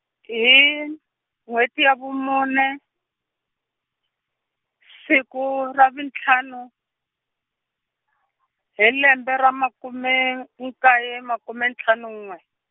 hi, n'wheti ya vumune, siku ra vuntlhanu , hi lembe ra makume nkaye makume ntlhanu n'we.